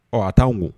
Ɔɔ a t'an kun.